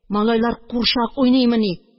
Малайлар курчак уйныймыни